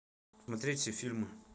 посмотреть все фильмы